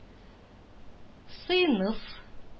Сыйныф